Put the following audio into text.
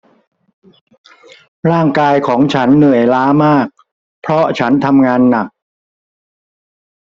ร่างกายของฉันเหนื่อยล้ามากเพราะฉันทำงานหนัก